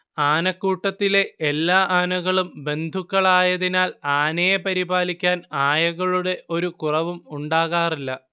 ആനക്കൂട്ടത്തിലെ എല്ലാ ആനകളും ബന്ധുക്കളായതിനാൽ ആനയെ പരിപാലിക്കാൻ ആയകളുടെ ഒരു കുറവും ഉണ്ടാകാറില്ല